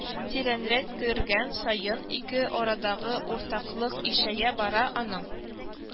Тирәнрәк кергән саен, ике арадагы уртаклык ишәя бара, аның